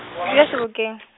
dula Sebokeng.